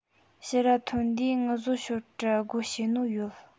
ཕྱིར ར ཐོན དུས ངུ བཟོ ཤོད དྲ སྒོ ཕྱེ ནོ ཡོད